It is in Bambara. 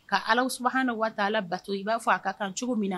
Ka alaskan na waa ala bato i b'a fɔ a ka taa cogo min na